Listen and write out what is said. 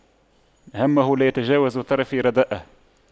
همه لا يتجاوز طرفي ردائه